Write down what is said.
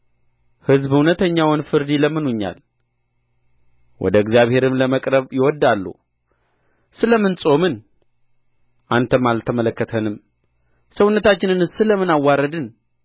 ሕዝብ እውነተኛውን ፍርድ ይለምኑኛል ወደ እግዚአብሔርም ለመቅረብ ይወድዳሉ ስለ ምን ጾምን አንተም አልተመለከትኸንም ሰውነታችንንስ ስለ ምን አዋረድን